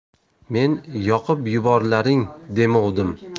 men yoqib yuborlaring demovdim